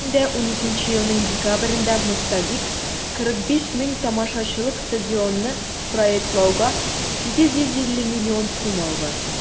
2012 елның декабрендә "мостовик" 45 мең тамашачылык стадионны проектлауга 850 миллион сум алган.